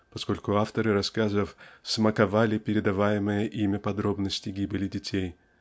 поскольку авторы рассказов смаковали передаваемые ими подробности гибели детей